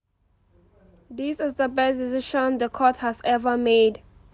This is the best decision the court has ever made